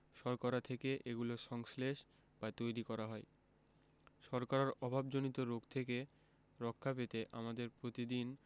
শর্করা থেকে এগুলো সংশ্লেষ বা তৈরী করা হয় শর্করার অভাবজনিত রোগ থেকে রক্ষা পেতে আমাদের প্রতিদিন